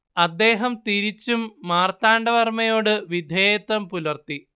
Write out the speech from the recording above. അദ്ദേഹം തിരിച്ചും മാർത്താണ്ഡവർമ്മയോട് വിധേയത്വം പുലർത്തി